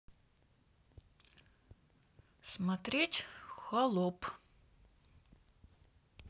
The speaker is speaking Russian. смотреть холоп